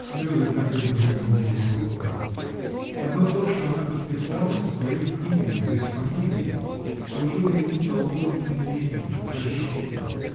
Слезы так и брызнули из его глаз: одно то, что она подписалась своим именем, без фамилии -- служило ему залогом примирения, прощения!